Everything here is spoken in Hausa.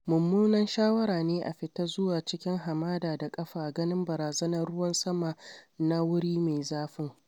Mummunan shawara ne a fita zuwa cikin hamada da kafa ganin barazanar ruwan saman na wuri mai zafin.